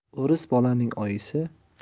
o'ris bolaning oyisi